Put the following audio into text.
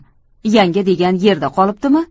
yanga degan yerda qolibdimi